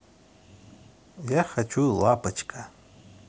я хочу лапочка